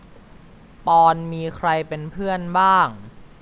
ปอนด์มีใครเป็นเพื่อนบ้าง